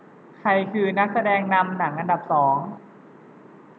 ใครคือนักแสดงนำหนังอันดับสอง